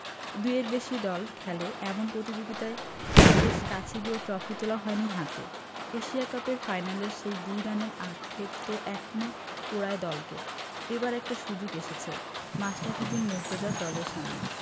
দুইয়ের বেশি দল খেলে এমন পতিযোগিতায় বেশ কাছে গিয়েও ট্রফি তোলা হয়নি হাতে এশিয়া কাপের ফাইনালের সেই ২ রানের আক্ষেপ তো এখনো পোড়ায় দলকে এবার একটা সুযোগ এসেছে মাশরাফি বিন মুর্তজার দলের সামনে